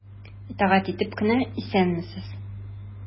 Итагать итеп кенә:— Исәнмесез!